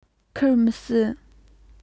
ཁུར མི སྲིད